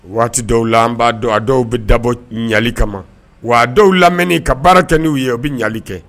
Waati dɔw la b'a dɔn a dɔw bɛ dabo ɲali kama wa dɔw lamini ka baara kɛ n'u ye u bɛ ɲali kɛ